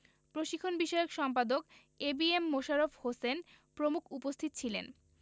প্রশিক্ষণ বিষয়ক সম্পাদক A B M Mosharraf Hossain প্রমুখ উপস্থিত ছিলেন